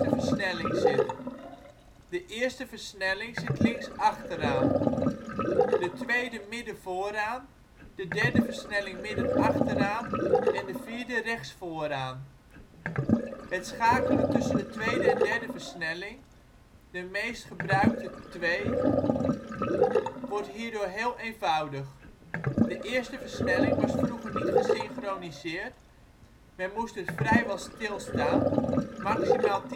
versnelling zit). De eerste versnelling zit links achteraan, de tweede midden vooraan, de derde versnelling midden achteraan en de vierde rechts vooraan. Het schakelen tussen de tweede en derde versnelling (de meest gebruikte twee) wordt hierdoor heel eenvoudig. De eerste versnelling was vroeger niet gesynchroniseerd, men moest dus vrijwel stil staan (maximaal